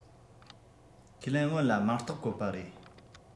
ཁས ལེན སྔོན ལ མིང རྟགས བཀོད པ རེད